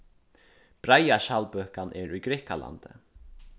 breiða skjaldbøkan er í grikkalandi